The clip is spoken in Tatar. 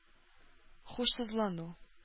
Һушсызлану